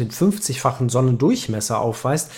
50-fachen Sonnendurchmesser aufweist